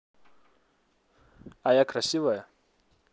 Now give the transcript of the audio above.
а я красивая